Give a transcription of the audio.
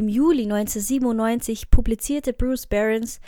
Juli 1997 publizierte Bruce Perens